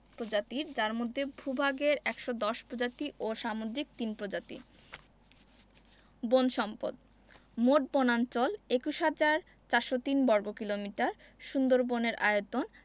প্রজাতির যার মধ্যে ভূ ভাগের ১১০ প্রজাতি ও সামুদ্রিক ৩ টি প্রজাতি বন সম্পদঃ মোট বনাঞ্চল ২১হাজার ৪০৩ বর্গ কিলোমিটার সুন্দরবনের আয়তন